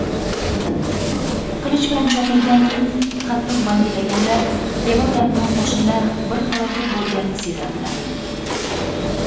qilich bilan chopilgan it qattiq vangillaganda devordarmiyon qo'shnilar bir falokat bo'lganini sezadilar